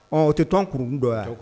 Ɔ o tɛ tɔnon k kuruurun dɔ yan